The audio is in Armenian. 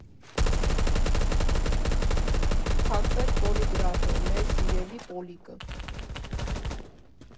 Փակվեց Պոլիգրաֆը, մեր սիրելի Պոլիկը։